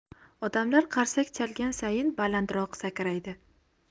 odamlar qarsak chalgan sayin balandroq sakraydi